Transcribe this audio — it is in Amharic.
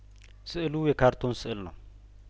ስእሉ የካርቱን ስእል ነው